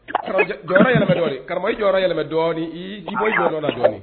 Dɔɔnin kara jɔ yɛlɛmɛ dɔɔninɔni i jiɔn jɔ la dɔɔninɔni